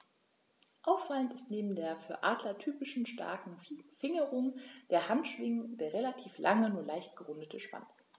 Auffallend ist neben der für Adler typischen starken Fingerung der Handschwingen der relativ lange, nur leicht gerundete Schwanz.